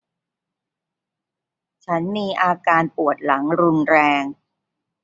ฉันมีอาการปวดหลังรุนแรง